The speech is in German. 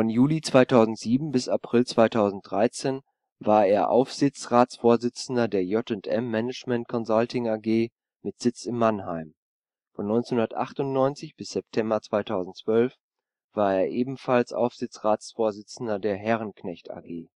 Juli 2007 bis April 2013 war er Aufsichtsratsvorsitzender der J&M Management Consulting AG mit Sitz in Mannheim. Von 1998 bis September 2012 war er ebenfalls Aufsichtsratsvorsitzender der Herrenknecht AG